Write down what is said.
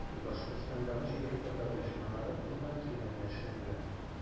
Башкортстандагы җирле татар оешмалары кулдан килгәнне эшләделәр.